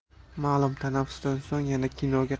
ma'lum tanaffusdan so'ng yana kinoga